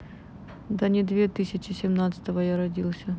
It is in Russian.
да не две тысячи семнадцатого я родился